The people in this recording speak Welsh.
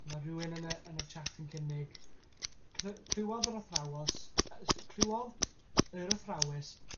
Dyma rywun yn y yn y chat yn cynnig cly- clywodd yr athrawos yy s- clywodd yr athrawes